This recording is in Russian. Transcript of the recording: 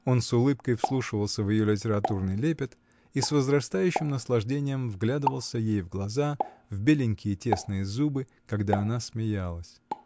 Он с улыбкой вслушивался в ее литературный лепет и с возрастающим наслаждением вглядывался ей в глаза, в беленькие, тесные зубы, когда она смеялась.